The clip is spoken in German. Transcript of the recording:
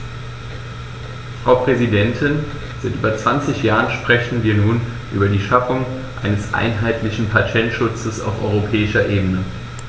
Frau Präsidentin, seit über 20 Jahren sprechen wir nun über die Schaffung eines einheitlichen Patentschutzes auf europäischer Ebene.